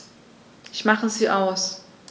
Ich mache sie aus.